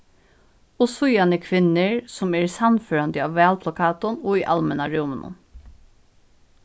og síðani kvinnur sum eru sannførandi á valplakatum og í almenna rúminum